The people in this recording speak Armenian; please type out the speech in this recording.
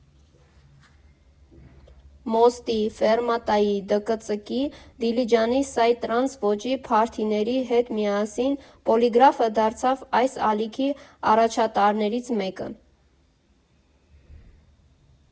Մոստի, Ֆեռմատայի, ԴԿՑԿ֊ի, Դիլիջանի սայ֊տրանս ոճի փարթիների հետ միասին Պոլիգրաֆը դարձավ այս ալիքի առաջատարներից մեկը։